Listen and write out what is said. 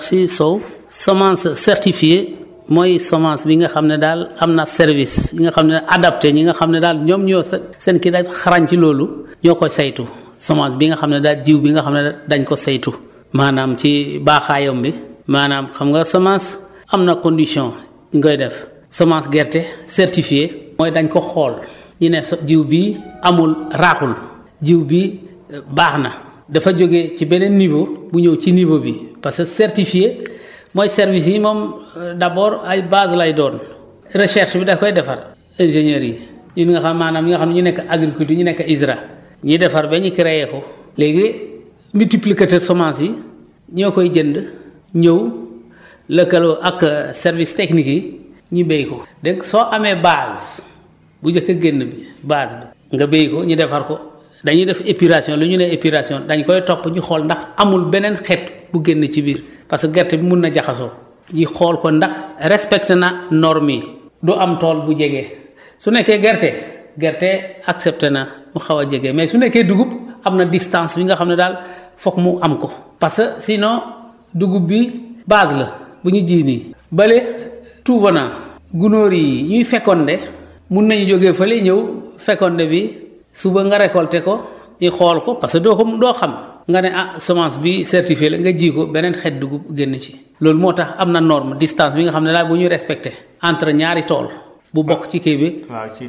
merci Sow semence certifiée mooy semence bi nga xam ne daal am na service yi nga xam ne adapté ñi nga xam ne daal ñoom ñoo sa seen kii daal xarañ ci loolu ñoo koy saytu semence bi nga xam ne daal jiw bi nga xam ne dañ ko saytu maanaam ci baaxaayam bi maanaam xam nga semence xam na condition nga ngay def semence gerte certifiée mooy dañu ko xool ñu ne sa jiw bii amul raaxul jiw bii baax na dafa jógee ci beneen niveau mu ñëw ci niveau bi parce que certifiée mooy services yi moom d' abord ay bases lay doon recherche bi daf koy defar ingénieurs yi ñi nga xam maanaam ñi nekk agriculture ñi nekk ISRA ñi defar ba ñu créé ko léegi multiplié semence yi ñoo koy jënd ñëw lëkkaloo ak service technique yi ñu béy ko léegi soo amee base bu njëkk a génn bi base bi nga béy ko ñu defar ko dañuy def épuration li ñuy ne épuration dañ koy topp di xool ndax aul beneen xeet bu génne ci biir parce que gerte bi mën na jaxasoo ñu xool ko ndax respecté na normes yi du am tool bu jege su nekkee gerte gerte accepté na mu xaw a jege mais su nekkee dugub am na distance bi nga xam ni daal foog mu am ko parce que sinon dugub bi base la bu ñu ji nii bële tout volant gunóor yi ñuy fécondé mën nañu jógee fële ñëw fécondé fioi suba nga récolté ko xool ko parce que doo ko doo xam nga ne ah semence bii certifiée la nga ji ko beneen xeet dugub génn ci loolu moo tax am na norme distance bi nga xam ne daal bu ñu respecté entre ñaari tool bu bokk ci kii bi waaw c